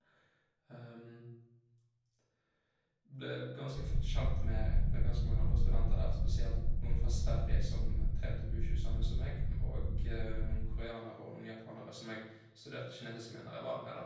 Ble ganske fort kjent med med ganske mange andre studenter der, spesielt noen fra Sverige som trente wushu, samme som jeg, m og noen koreanere og noen japanere som jeg studerte kinesisk med når jeg var der nede.